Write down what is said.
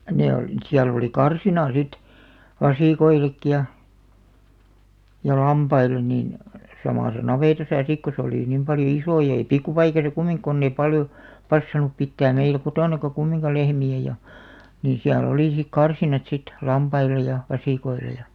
ne oli siellä oli karsina sitten vasikoillekin ja ja lampaille niin samassa navetassa sitten kun se oli niin paljon iso ja ei pikkupaikassa - kun ei paljon passannut pitää meillä kotonakaan kumminkaan lehmiä ja niin siellä oli sitten karsinat sitten lampaille ja vasikoille ja